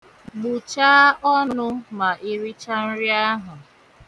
Gbụchaa ọnụ ma iricha nri ahụ.